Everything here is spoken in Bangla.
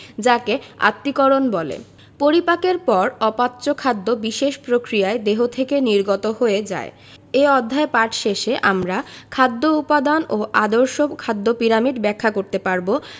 যাকে আত্তীকরণ বলে পরিপাকের পর অপাচ্য খাদ্য বিশেষ প্রক্রিয়ায় দেহ থেকে নির্গত হয়ে যায় এ অধ্যায় পাঠ শেষে আমরা ⦁ খাদ্য উপাদান ও আদর্শ খাদ্য পিরামিড ব্যাখ্যা করতে পারব